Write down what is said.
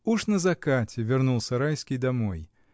Уж на закате вернулся Райский домой.